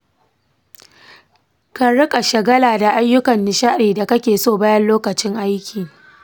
ka riƙa shagala da ayyukan nishadi da kake so bayan lokacin aiki.